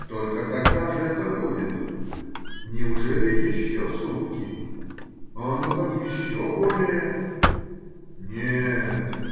Только когда же это будет? Неужели еще сутки? А ну как еще более? — Нет.